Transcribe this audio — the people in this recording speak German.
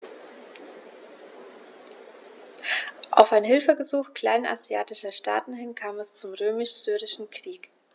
Auf ein Hilfegesuch kleinasiatischer Staaten hin kam es zum Römisch-Syrischen Krieg.